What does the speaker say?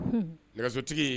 Nɛgɛsotigi